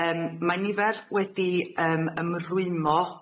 Yym mae nifer wedi yym ymrwymo